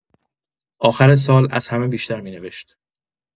آخر سال، از همه بیشتر می‌نوشت.